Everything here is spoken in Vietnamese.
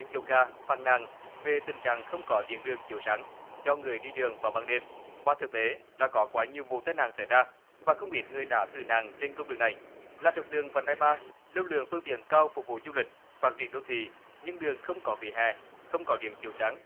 kêu ca phàn nàn về tình trạng không có điện đường chiếu sáng cho người đi đường vào ban đêm và thực tế đã có quá nhiều vụ tai nạn xảy ra và không ít người đã tử nạn trên cung đường này là trục đường vành đai ba lưu lượng phương tiện cao phục vụ du lịch phát triển đô thị nhưng đường không có vỉa hè không có điện chiếu sáng